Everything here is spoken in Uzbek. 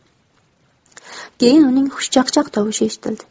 keyin uning xushchaqchaq tovushi eshitildi